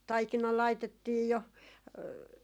taikina laitettiin jo